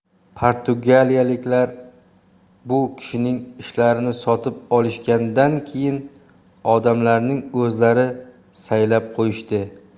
portugaliyaliklar bu kishining ishlarini sotib olishgandan keyin odamlarning o'zlari saylab qo'yishdi